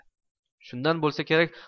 shundan bo'lsa kerak